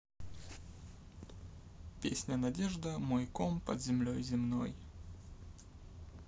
песня надежда мой ком под землей земной